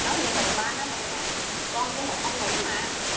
đó như hình ba nó đây nè con của một ông mỹ mà